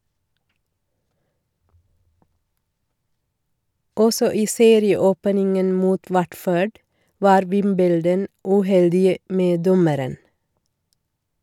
Også i serieåpningen mot Watford var Wimbledon uheldige med dommeren.